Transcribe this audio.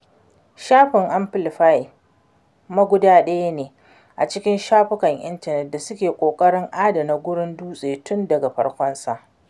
Shafin 'Amplify ma' guda daya ne cikin shafukan intanet da suke ƙoƙarin adana wurin dutse tun daga farkonsa.